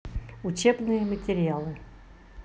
учебные материалы